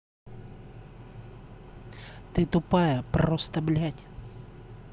ты тупая просто блядь